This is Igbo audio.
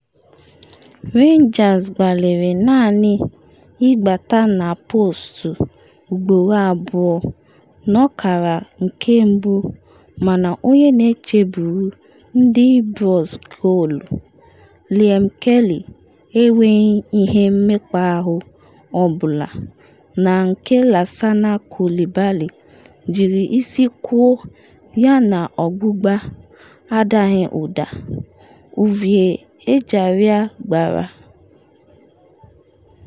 Rangers gbalịrị naanị ịgbata na postu ugboro abụọ n’ọkara nke mbu mana onye na-echeburu ndị Ibrox goolu Liam Kelly enweghị ihe mmekpa ahụ ọ bụla na nke Lassana Coulibaly jiri isi kụọ yana ọgbụgba adaghị ụda Ovie Ejaria gbara.